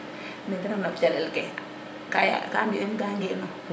mete refna calel ke ka yaco ka mbi nen ga ngenu